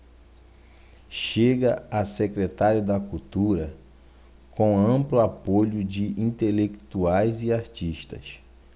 chega a secretário da cultura com amplo apoio de intelectuais e artistas